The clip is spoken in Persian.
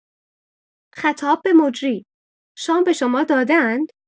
خطاب به مجری: شام به شما داده‌اند؟